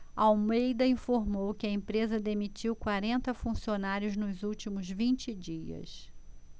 almeida informou que a empresa demitiu quarenta funcionários nos últimos vinte dias